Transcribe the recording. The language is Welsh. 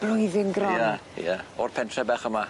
Blwyddyn gron? Ia, ie, o'r pentre bech yma.